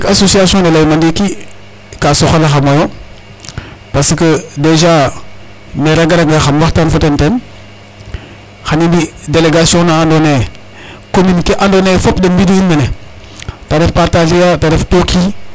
Association ne layma ndiiki ka soxalamaayo parce que déja maire a garanga xam waxtan fo den ten xan i mbi' délégation na andoona eye commune ke andoona yee fop den mbidu in mene ta ref Pataar, ta ref Tooki.